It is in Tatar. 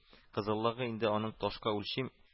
Кызыллыгы инде аның ташка үлчим